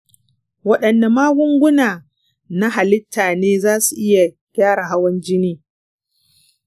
waɗanne magunguna na halitta ne za su iya gyara hawan jini?